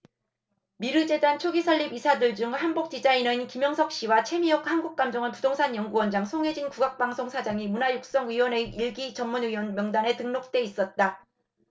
미르재단 초기 설립 이사들 중 한복디자이너인 김영석씨와 채미옥 한국감정원 부동산연구원장 송혜진 국악방송 사장이 문화융성위원회의 일 기 전문위원 명단에 등록돼 있었다